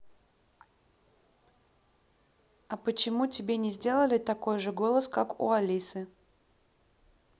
а почему тебе не сделали такой же голос как у алисы